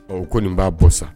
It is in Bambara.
Ɔɔ, ko, nin b'a bɔ sa.